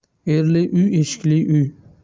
erli uy eshikli uy